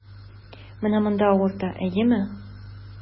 Менә монда авырта, әйеме?